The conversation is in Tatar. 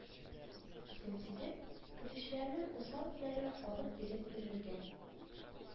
Исен сизеп, көтүчеләрнең усал этләре алып-биреп өрергә